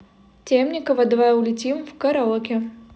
темникова давай улетим в караоке